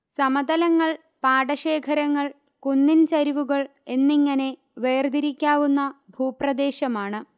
സമതലങ്ങൾ പാടശേഖരങ്ങൾ കുന്നിൻ ചരിവുകൾ എന്നിങ്ങനെ വേർതിരിക്കാവുന്ന ഭൂപ്രദേശമാണ്